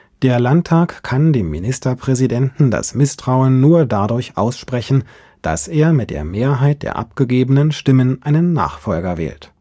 Der Landtag kann dem Ministerpräsidenten das Misstrauen nur dadurch aussprechen, dass er mit der Mehrheit der abgegebenen Stimmen einen Nachfolger wählt